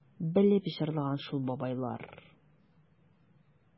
Белеп җырлаган шул бабайлар...